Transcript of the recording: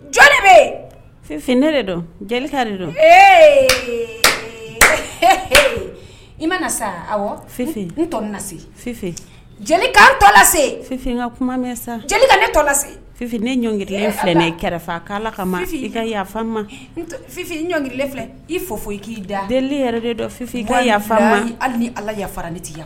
Ne i ma safin kuma sa ne ɲɔn filɛ ne kɛrɛfɛ ka i ka ɲɔn filɛ i fo i k'i da yɛrɛ dɔnfin ma ala ni ala yafara ni tɛ